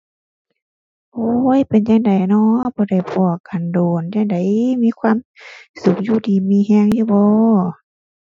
โอ้ย เป็นจั่งใดน้อ บ่ได้พอกันโดน จั่งใด มีความสุข อยู่ดีมีแรงอยู่บ่